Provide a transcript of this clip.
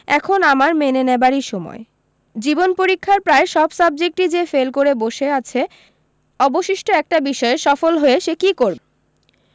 এখন আমার মেনে নেবারই সময় জীবন পরীক্ষার প্রায় সব সাবজেক্টই যে ফেল করে বসে আছে অবশিষ্ট একটা বিষয়ে সফল হয়ে সে কী করবে